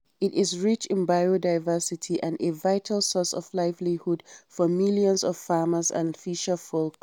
It is rich in biodiversity and a vital source of livelihood for millions of farmers and fisherfolk.